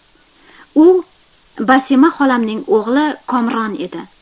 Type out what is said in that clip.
u basima xolamning o'g'li komron edi